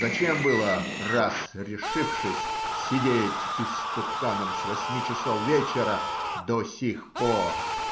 Зачем было, раз решившись, сидеть истуканом с восьми часов вечера до сих пор?